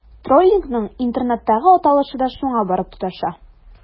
Троллингның интернеттагы аталышы да шуңа барып тоташа.